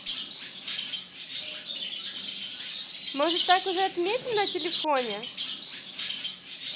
может так уже отметим на телефоне